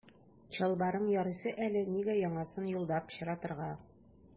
Чалбарың ярыйсы әле, нигә яңасын юлда пычратырга.